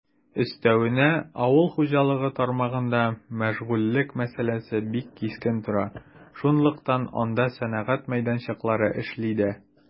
Өстәвенә, авыл хуҗалыгы тармагында мәшгульлек мәсьәләсе бик кискен тора, шунлыктан анда сәнәгать мәйданчыклары эшли дә.